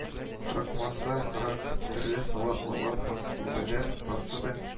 Кырыкмаса-кырык төрле салат-малат һәм гөмбәләр барысы да